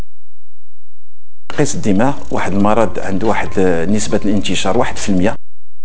استماع واحد مارد عند واحد نسبه الانتشار واحد في